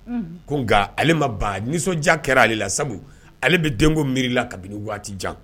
Ko nka ale ma ba nisɔndiya kɛra ale la sabu ale bɛ denko miirila kabini waati jan